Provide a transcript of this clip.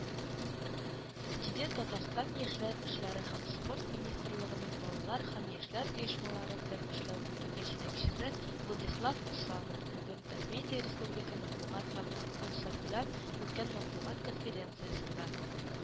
Диде татарстан яшьләр эшләре һәм спорт минисртлыгының балалар һәм яшьләр оешмалары белән эшләр бүлеге җитәкчесе владислав усанов бүген “татмедиа” республика матбугат һәм массакүләм үткән матбугат конференциясендә